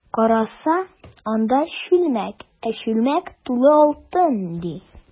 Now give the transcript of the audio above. Караса, анда— чүлмәк, ә чүлмәк тулы алтын, ди.